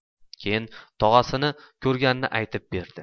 keyin tog'asini ko'rganini aytib berdi